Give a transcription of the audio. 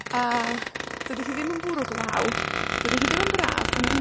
a dydi hi ddim yn bwrw glaw, dydi hi ddim yn braf, ond ma' hi'n